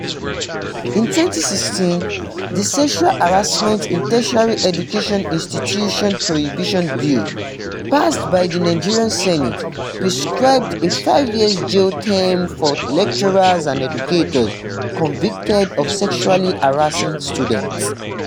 In 2016, the "Sexual Harassment in Tertiary Education Institution Prohibition Bill", passed by the Nigerian Senate prescribed a 5-year jail term for lecturers and educators convicted of sexually harassing students.